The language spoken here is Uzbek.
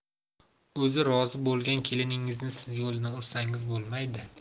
o'zi rozi bo'lgan keliningizni siz yo'ldan ursangiz bo'lmaydi